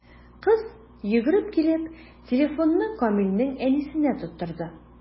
Кыз, йөгереп килеп, телефонны Камилнең әнисенә тоттырды.